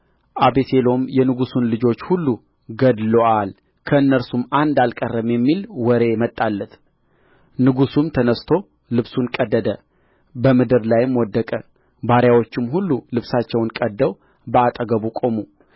አቤሴሎም የንጉሡን ልጆች ሁሉ ገድሎአል ከእነርሱም አንድ አልቀረም የሚል ወሬ መጣለት ንጉሡም ተነሥቶ ልብሱን ቀደደ በምድር ላይም ወደቀ ባሪያዎቹም ሁሉ ልብሳቸውን ቀድደው በአጠገቡ ቆሙ